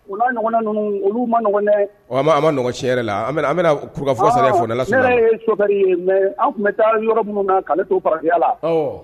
U ɲɔgɔn ninnu olu ma nɔgɔɛ a ma nɔgɔ sɛ la an an bɛnafɔ sariya f ne lari ye mɛ an tun bɛ taa yɔrɔ minnu na'ale t'o faya la